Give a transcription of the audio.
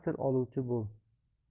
sir oluvchi bo'l